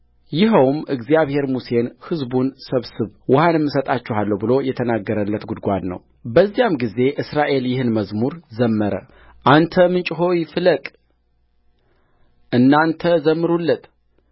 ይኸውም እግዚአብሔር ሙሴን ሕዝቡን ሰብስብ ውኃንም እሰጣቸዋለሁ ብሎ የተናገረለት ጕድጓድ ነውበዚያም ጊዜ እስራኤል ይህን መዝሙር ዘመረአንተ ምንጭ ሆይ ፍለቅ እናንተ ዘምሩለት